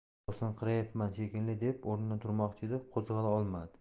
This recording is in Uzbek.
bosinqirayapman shekilli deb o'rnidan turmoqchi edi qo'zg'ala olmadi